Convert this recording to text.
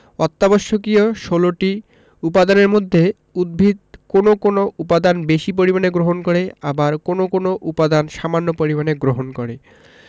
অত্যাবশ্যকীয় ১৬ টি উপাদানের মধ্যে উদ্ভিদ কোনো কোনো উপাদান বেশি পরিমাণে গ্রহণ করে আবার কোনো কোনো উপাদান সামান্য পরিমাণে গ্রহণ করে